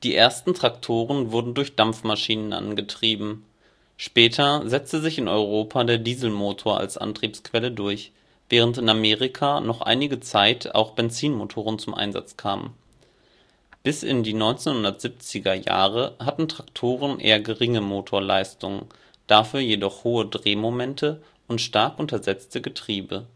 ersten Traktoren wurden durch Dampfmaschinen angetrieben (Lokomobile). Später setzte sich in Europa der Dieselmotor als Antriebsquelle durch, während in Amerika noch einige Zeit auch Benzinmotoren zum Einsatz kamen. Bis in die 1970er Jahre hatten Traktoren eher geringe Motorleistungen, dafür jedoch hohe Drehmomente und stark untersetzte Getriebe